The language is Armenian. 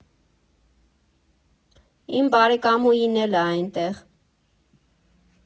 Իմ բարեկամուհին էլ ա էնտեղ.